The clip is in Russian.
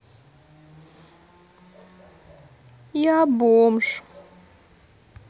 я бомж